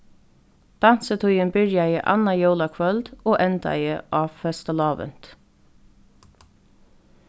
dansitíðin byrjaði annað jólakvøld og endaði á fastalávint